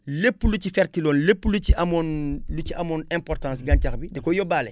lépp lu ci ferile loon lépp lu ci amoon lu ci amoon importance gàncax bi da koy yóbbale